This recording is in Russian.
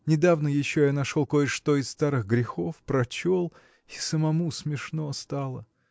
Недавно еще я нашел кое-что из старых грехов прочел – и самому смешно стало.